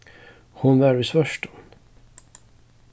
hon var í svørtum